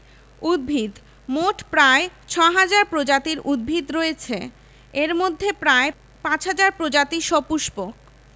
ঢাকা চাঁদপুর বরিশাল খুলনা নারায়ণগঞ্জ ভৈরব বাজার আশুগঞ্জ সিরাজগঞ্জ সমুদ্রবন্দরঃ চট্টগ্রাম এবং মংলা সমুদ্রবন্দর